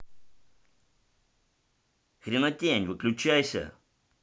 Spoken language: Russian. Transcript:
хренатень выключайся